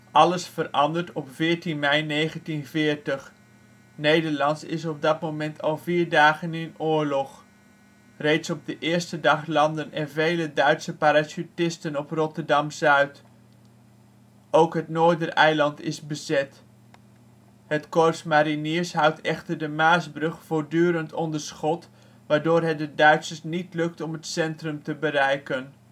Alles verandert op 14 mei 1940. Nederland is op dat moment al vier dagen in oorlog. Reeds op de eerste dag landden er vele Duitse parachutisten op Rotterdam-Zuid. Ook het Noordereiland is bezet. Het Korps Mariniers houdt echter de Maasbrug voortdurend onder schot, waardoor het de Duitsers niet lukt om het centrum te bereiken